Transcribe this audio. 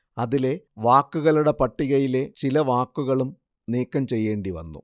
അതിലെ വാക്കുകളുടെ പട്ടികയിലെ ചില വാക്കുകളും നീക്കം ചെയ്യേണ്ടി വന്നു